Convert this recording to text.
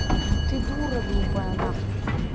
ты дура глупая нахуй